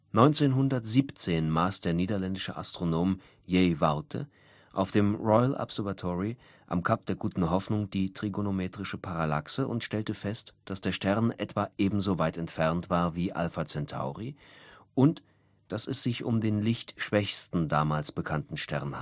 1917 maß der niederländische Astronom J. Voûte auf dem Royal Observatory am Kap der Guten Hoffnung die trigonometrische Parallaxe und stellte fest, dass der Stern etwa ebenso weit entfernt war wie Alpha Centauri und es sich um den lichtschwächsten damals bekannten Stern